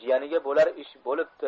jiyaniga bo'lar ish bo'libdi